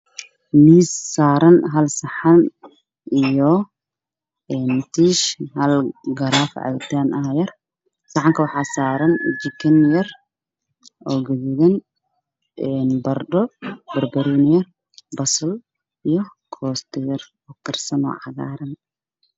Waa miis waxaa saaran hal saxan iyo tiish, hal garaafo oo cabitaan ah, saxanka waxaa kujiro jikin yar oo gaduudan iyo baradho, barbanooni, basal iyo koosto cagaaran.